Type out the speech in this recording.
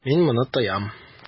Мин моны тоям.